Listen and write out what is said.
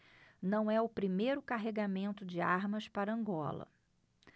não é o primeiro carregamento de armas para angola